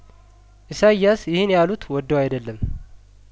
ኢሳያስ ይህን ያሉት ወደው አይደለም